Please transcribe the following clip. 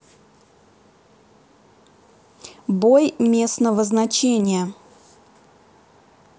бой местного значения